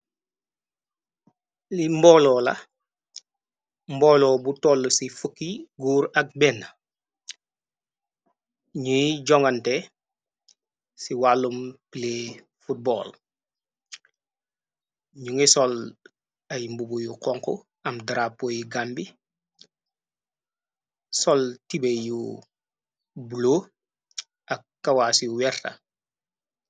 Li mboolo la mboolo bu toll ci fukki guur ak benn ñuy jongante ci wàllum play football ñu ngi sol ay mbubu yu koŋk am drapoy gambi soll tibe yu blo ak kawaasi werta.